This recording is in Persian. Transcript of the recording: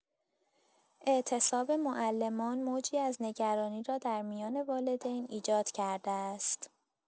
اعتصاب معلمان موجی از نگرانی را در میان والدین ایجاد کرده است.